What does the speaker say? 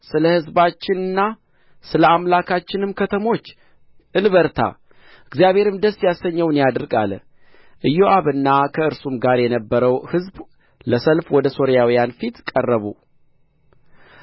ስለ ሕዝባችንና ስለ አምላካችንም ከተሞች እንበርታ እግዚአብሔርም ደስ ያሰኘውን ያድርግ አለ ኢዮአብና ከእርሱም ጋር የነበረው ሕዝብ ለሰልፍ ወደ ሶርያውያን ፊት ቀረቡ